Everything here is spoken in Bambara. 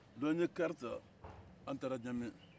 donke n ye kari ta an taara ɲame